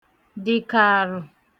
dị̀kààrụ̀